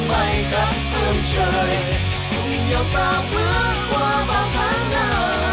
ta bước qua bao tháng năm